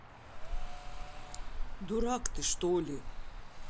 дурак ты что ли